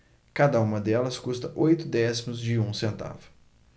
cada uma delas custa oito décimos de um centavo